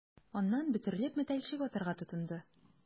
Аннан, бөтерелеп, мәтәлчек атарга тотынды...